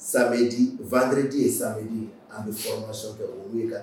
Samɛdi vdredi ye sadi an bɛ foroma sanfɛ o wulila